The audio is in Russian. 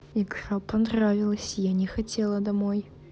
игра понравилась я не хотела домой